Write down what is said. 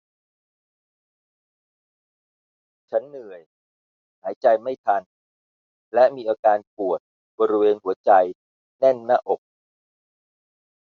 ฉันเหนื่อยหายใจไม่ทันและมีอาการปวดบริเวณหัวใจแน่นหน้าอก